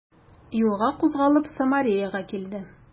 Юлга кузгалып, Самареяга килде.